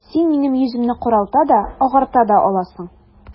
Син минем йөземне каралта да, агарта да аласың...